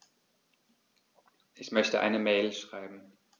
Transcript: Ich möchte eine Mail schreiben.